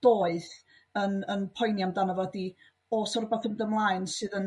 doeth yn yn poeni amdano fo 'di osa r'wbath yn ymlaen sydd yn